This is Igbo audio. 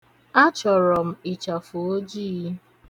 Achọrọ m ịchafụ ojii.